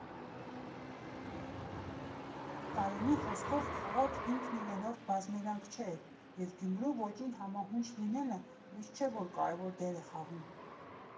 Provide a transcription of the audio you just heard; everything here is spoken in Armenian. Տարոնի խոսքով, քաղաքն ինքն իրենով բազմերանգ չէ, և Գյումրու ոճին համահունչ լինելը միշտ չէ, որ կարևոր դեր է խաղում։